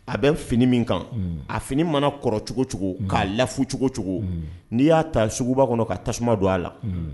A bɛ fini min kan a fini mana kɔrɔcogocogo k'a lawu cogo cogo n'i y'a ta suguba kɔnɔ ka tasuma don a la